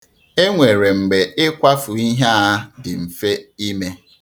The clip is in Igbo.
E nwere mgbe ikwafu ihe a dị mfe ime.